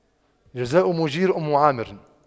جزاء مُجيرِ أُمِّ عامِرٍ